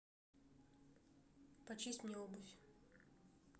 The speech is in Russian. почисть мне обувь